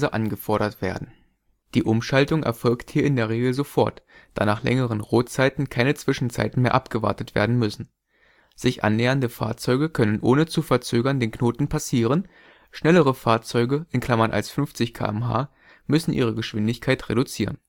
angefordert werden. Die Umschaltung erfolgt hier in der Regel sofort, da nach längeren Rotzeiten keine Zwischenzeiten mehr abgewartet werden müssen. Sich annähernde Fahrzeuge können ohne zu verzögern den Knoten passieren; schnellere Fahrzeuge (als 50 km/h) müssen ihre Geschwindigkeit reduzieren